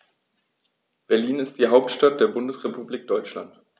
Berlin ist die Hauptstadt der Bundesrepublik Deutschland.